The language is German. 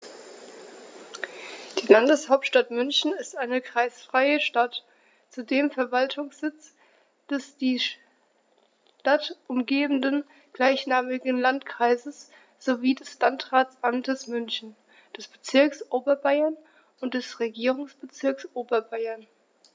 Die Landeshauptstadt München ist eine kreisfreie Stadt, zudem Verwaltungssitz des die Stadt umgebenden gleichnamigen Landkreises sowie des Landratsamtes München, des Bezirks Oberbayern und des Regierungsbezirks Oberbayern.